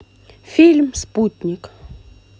фильм спутник